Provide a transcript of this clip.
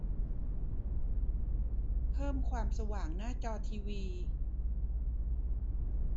เพิ่มความสว่างหน้าจอทีวี